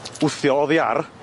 Wthio oddi ar.